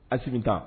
Aseke taa